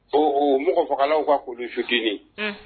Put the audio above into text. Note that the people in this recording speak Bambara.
O o mɔgɔ fagalaw ka kudi fitini unh